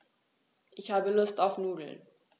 Ich habe Lust auf Nudeln.